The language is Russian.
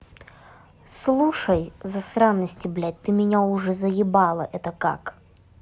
слушай засранности блядь ты меня уже заебала это как